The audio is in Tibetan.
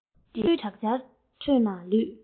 ཕྱི རོལ གྱི དྲག ཆར ཁྲོད ན ལུས